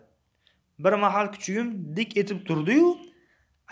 bir mahal kuchugim dik etib turdi yu